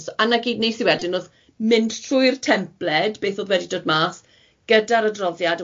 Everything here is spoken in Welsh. So, a na gyd nes i wedyn o'dd mynd trwy'r templed, beth o'dd wedi dod mas gyda'r adroddiad,